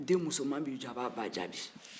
den musoman b'i jɔ a b'a ba jaabi